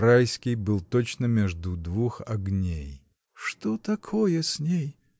Райский был точно между двух огней. — Что такое с ней?